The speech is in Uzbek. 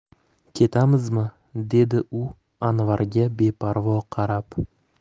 ketamizmi dedi u anvarga beparvo qarab